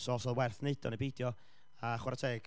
so os oedd o'n werth wneud o neu beidio a chwarae teg...